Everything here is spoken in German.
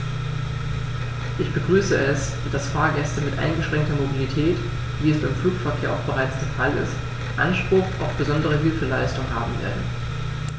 Ich begrüße es, dass Fahrgäste mit eingeschränkter Mobilität, wie es beim Flugverkehr auch bereits der Fall ist, Anspruch auf besondere Hilfeleistung haben werden.